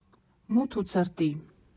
Մութ ու ցրտի։